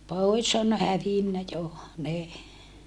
pois on hävinnyt jo ne